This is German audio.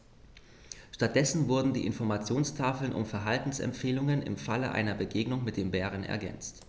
Stattdessen wurden die Informationstafeln um Verhaltensempfehlungen im Falle einer Begegnung mit dem Bären ergänzt.